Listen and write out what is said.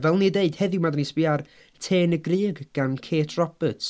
Fel oedden ni'n deud heddiw 'ma dan ni'n sbio ar Te yn y Grug gan Kate Roberts.